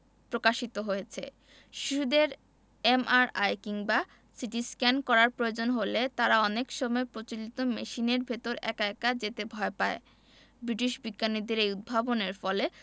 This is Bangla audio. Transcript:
প্রকাশিত হয়েছে শিশুদের এমআরআই কিংবা সিটিস্ক্যান করার প্রয়োজন হলে তারা অনেক সময় প্রচলিত মেশিনের ভেতর একা একা যেতে ভয় পায় ব্রিটিশ বিজ্ঞানীদের এই উদ্ভাবনের ফলে